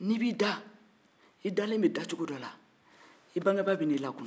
n'i b'i da i dalen bɛ kɛ cogoya dɔ la i bangebaa bɛn'i lakunu